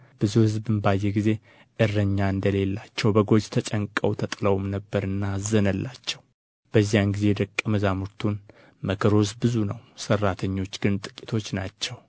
ብዙ ሕዝብም ባየ ጊዜ እረኛ እንደ ሌላቸው በጎች ተጨንቀው ተጥለውም ነበርና አዘነላቸው በዚያን ጊዜ ደቀ መዛሙርቱን መከሩስ ብዙ ነው ሠራተኞች ግን ጥቂቶች ናቸው